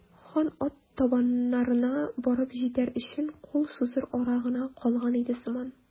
Хан ат табыннарына барып җитәр өчен кул сузыр ара гына калган иде сыман.